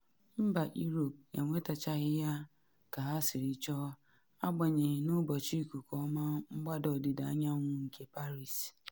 Mba Europe enwetachaghị ya ka ha siri chọọ, agbanyeghị n’ụbọchị ikuku ọma mgbada ọdịda anyanwu nke Paris.